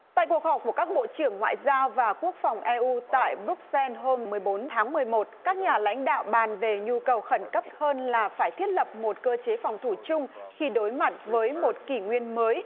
tại cuộc họp của các bộ trưởng ngoại giao và quốc phòng e u tại bờ rúc xen hôm mười bốn tháng mười một các nhà lãnh đạo bàn về nhu cầu khẩn cấp hơn là phải thiết lập một cơ chế phòng thủ chung khi đối mặt với một kỷ nguyên mới